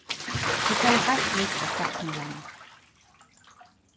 eg fari heilt vist at sakna hana